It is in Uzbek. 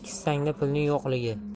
kissangda pulning yo'qligi